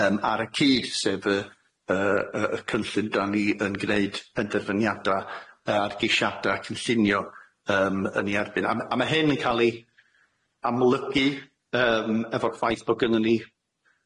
yym ar y cyd sef yy yym ar y cyd sef yy yy yy yy cynllun dan ni yn gneud penderfyniada argeisiada cynllunio yym yn ei erbyn a m- a ma' hyn yn ca'l i amlygu yym efo'r ffaith bo' gynnon ni